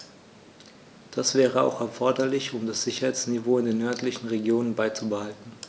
Das wäre auch erforderlich, um das Sicherheitsniveau in den nördlichen Regionen beizubehalten.